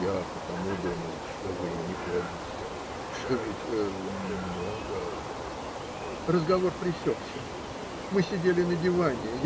- Я потому думал, что вы не помните, что ведь много. Разговор пересекся. Мы сидели на диване